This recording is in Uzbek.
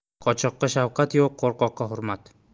qochoqqa shafqat yo'q qo'rqoqqa hurmat